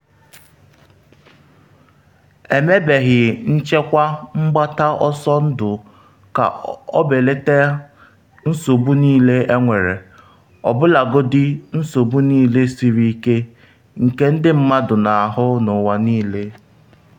Emebeghị nchekwa mgbata ọsọ ndụ ka obeleta nsogbu niile enwere - ọbụlagodi nsogbu niile siri ike - nke ndị mmadụ n’ahụ n’ụwa niile.